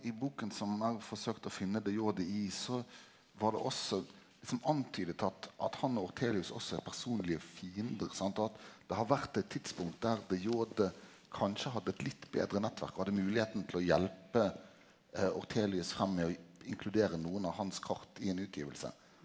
i boken som forsøkte å finne de Jode i så var det også liksom antyda at at han og Ortelius også er personlege fiendar sant og at det har vore eit tidspunkt der de Jode kanskje hadde eit litt betre nettverk og hadde moglegheita til å hjelpe Ortelius fram med å inkludere noko av hans kart i ein utgiving.